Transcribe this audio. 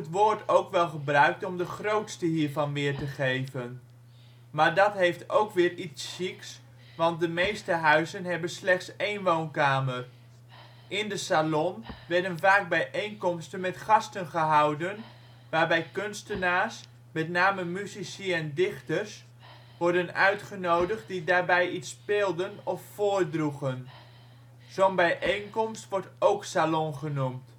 woord ook wel gebruikt om de grootste hiervan weer te geven. Maar dat heeft ook weer iets chiques, want de meeste huizen hebben slechts een woonkamer. In de salon werden vaak bijeenkomsten met gasten gehouden, waarbij kunstenaars (met name musici en dichters) worden uitgenodigd die daarbij iets speelden of voordroegen. Zo 'n bijeenkomst wordt ook salon genoemd